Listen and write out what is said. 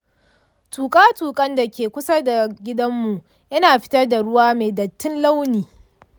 tuƙa-tuƙan da ke kusa da gidanmu yana fitar da ruwa mai dattin launi.